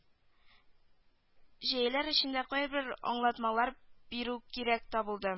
Җәяләр эчендә кайбер аңлатмалар бирү кирәк табылды